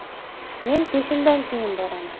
men peshindan keyin boraman